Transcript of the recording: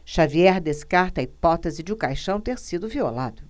xavier descarta a hipótese de o caixão ter sido violado